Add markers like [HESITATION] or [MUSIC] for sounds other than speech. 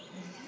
[HESITATION] [HESITATION]